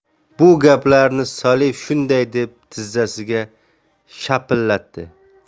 bu gaplarni soliev shunday deb tizzasiga shapatiladi